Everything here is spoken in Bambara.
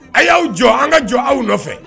A y'aw jɔ an ka jɔ aw nɔfɛ